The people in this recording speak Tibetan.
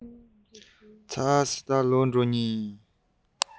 ཚར སོང ད ལོག འགྲོ མཁན ཡིན